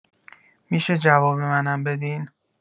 می‌شه جواب منم بدین